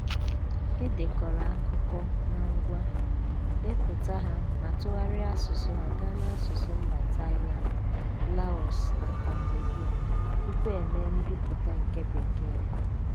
E dekọrọ akụkọ na ngwa, depụta ha ma tụgharịa asụsụ ha gaa n'asụsụ mba Thailand, Laos, na Cambodia tupu e mee mbipụta nke Bekee ya.